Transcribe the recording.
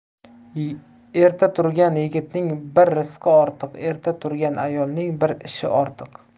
erta turgan yigitning bir rizqi ortiq erta turgan ayolning bir ishi ortiq